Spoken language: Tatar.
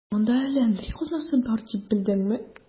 Монда әллә әндри казнасы бар дип белдеңме?